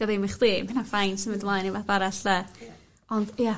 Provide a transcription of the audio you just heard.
'di o ddim i chdi ma' hynna'n fine symud mlaen i wbeth arall 'lle ond ia